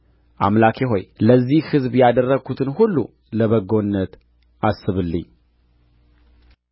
አምላኬ ሆይ ለዚህ ሕዝብ ያደረግሁትን ሁሉ ለበጎነት አስብልኝ